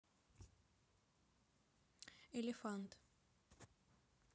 элефант